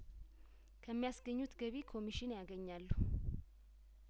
ከሚ ያስገኙት ገቢ ኮሚሽን ያገኛሉ